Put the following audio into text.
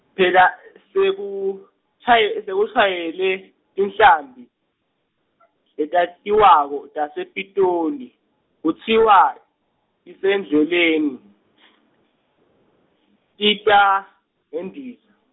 phela, sekushaye- sekushayelwe, tinhlambi , letatiwako tasePitoli, kutsiwa , tisendleleni , tita, ngendiza.